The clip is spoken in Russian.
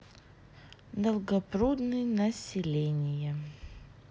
долгопрудный население